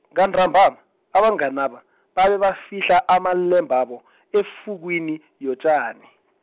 ngantambama, abanganaba, babe bafihla amalembabo , efukwini , yotjani.